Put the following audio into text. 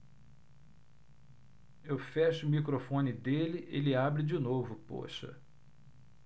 eu fecho o microfone dele ele abre de novo poxa